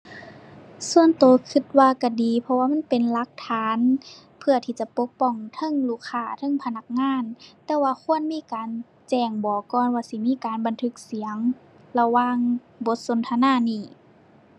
ส่วนตัว ตัวว่าตัวดี เพราะว่ามันเป็นหลักฐาน เพื่อที่จะปกป้องเทิงลูกค้าเทิงพนักงาน แต่ว่าควรมีการแจ้งบอกก่อนว่าสิมีการบันทึกเสียง ระหว่างบทสนทนานี้